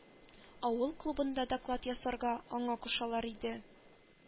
Авыл клубында доклад ясарга аңа кушалар иде.